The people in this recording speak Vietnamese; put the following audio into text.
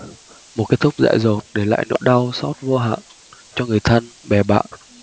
một kết thúc dại dột để lại nỗi đau xót vô hạn cho người thân bè bạn